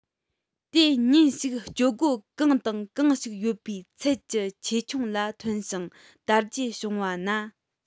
དེ ཉིན ཞིག སྤྱོད སྒོ གང དང གང ཞིག ཡོད པའི ཚད ཀྱི ཆེ ཆུང ལ ཐོན ཞིང དར རྒྱས བྱུང བ ན